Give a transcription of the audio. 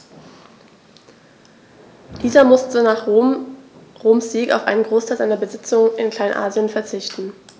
Dieser musste nach Roms Sieg auf einen Großteil seiner Besitzungen in Kleinasien verzichten.